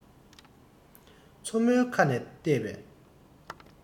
མཚོ མོའི ཁ ནས ལྟས པས